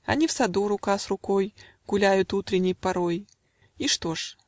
Они в саду, рука с рукой, Гуляют утренней порой И что ж?